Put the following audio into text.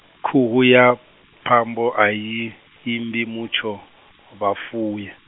khuhu ya, phambo ayi, imbi mutsho, vhafuwi.